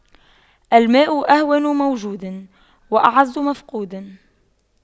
الماء أهون موجود وأعز مفقود